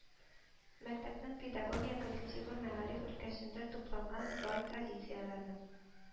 Мәктәпнең педагогия коллективы мәгариф өлкәсендә тупланган бай традицияләрне